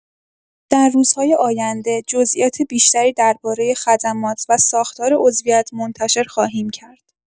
در روزهای آینده جزئیات بیشتری درباره خدمات و ساختار عضویت منتشر خواهیم کرد.